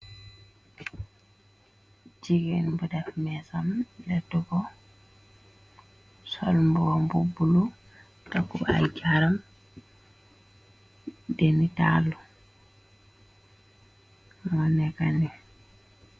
Jigen bu def meesam lettu ko solmbombu bulu takub ay jaram deni tallu mo nekkani.